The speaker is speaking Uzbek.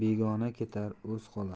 begona ketar o'z qolar